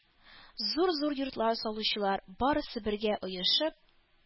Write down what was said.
Зур-зур йортлар салучылар, барысы бергә оешып,